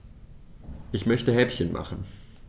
Ich möchte Häppchen machen.